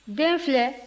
den filɛ